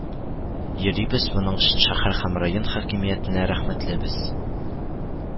Йөрибез, моның өчен шәһәр һәм район хакимиятенә рәхмәтлебез